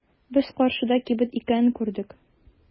Без каршыда кибет икәнен күрдек.